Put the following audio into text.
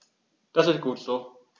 Das ist gut so.